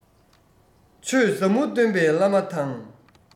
ཆོས ཟབ མོ སྟོན པའི བླ མ དང